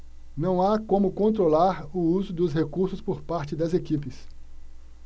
não há como controlar o uso dos recursos por parte das equipes